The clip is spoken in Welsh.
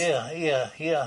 Ie ie ie.